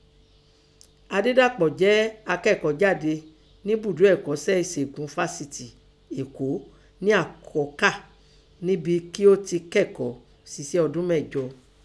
Adédàpò jẹ́ akẹ́kọ̀ọ́jáde nẹ́bùdó ẹ̀kọ́sẹ́ ẹ̀ṣègùn fásítì Èkó nẹ́ Àkọkà níbin kí ọ́ ti kọ́kọ́ sisẹ́ ọdún mẹ́jọ.